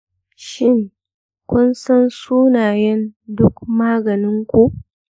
shin, kun san sunayen duk maganin ku?